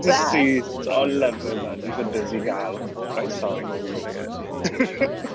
Deceased I love you man, she's a busy gal. Right, sorry, what were you saying?